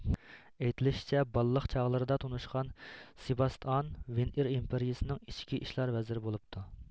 ئېيتىلىشىچە بالىلىق چاغلىرىدا تونۇشقان سباستئان ۋىنتر ئىمپرىيىسىنىڭ ئىچكى ئىشلار ۋەزىرى بولۇپتۇ